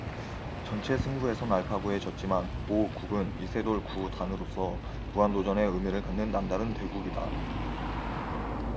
전체 승부에선 알파고에 졌지만 오 국은 이세돌 구 단으로서 무한도전의 의미를 갖는 남다른 대국이다